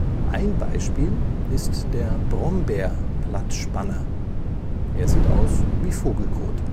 Ein Beispiel ist der Brombeer-Blattspanner - er sieht aus wie Vogelkot